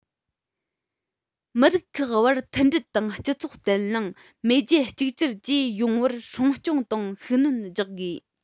མི རིགས ཁག བར མཐུན སྒྲིལ དང སྤྱི ཚོགས བརྟན ལྷིང མེས རྒྱལ གཅིག གྱུར བཅས ཡོང བར སྲུང སྐྱོང དང ཤུགས སྣོན རྒྱག དགོས